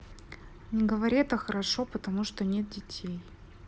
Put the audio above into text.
не говори это хорошо потому что нет детей